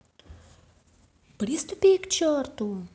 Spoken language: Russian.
приступи к черту